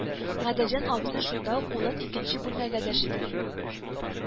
Гаделҗан абзый шунда ук улын икенче бүлмәгә дәште